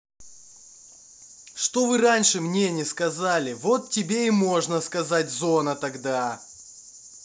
что вы раньше мне не сказали вот тебе и можно сказать зона тогда